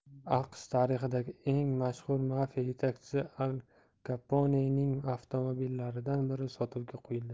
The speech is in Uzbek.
aqsh tarixidagi eng mashhur mafiya yetakchisi al kaponening avtomobillaridan biri sotuvga qo'yildi